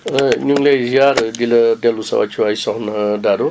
ñu ngi lay ziar di la dellu si waat fay soxna Dado